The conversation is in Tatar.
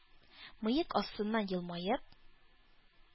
Мыек астыннан елмаеп: